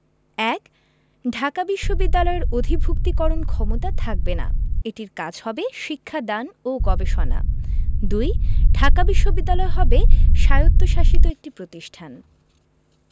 ১. ঢাকা বিশ্ববিদ্যালয়ের অধিভুক্তিকরণ ক্ষমতা থাকবে না এটির কাজ হবে শিক্ষা দান ও গবেষণা ২. ঢাকা বিশ্ববিদ্যালয় হবে স্বায়ত্তশাসিত একটি প্রতিষ্ঠান